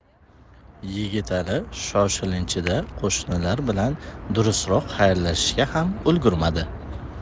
yigitali shoshilinchda qo'shnilari bilan durustroq xayrlashishga ham ulgurmadi